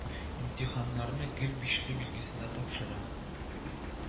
Имтиханнарны гел бишле билгесенә тапшыра